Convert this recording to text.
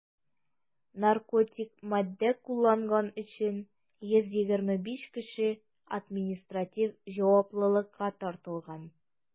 Наркотик матдә кулланган өчен 125 кеше административ җаваплылыкка тартылган.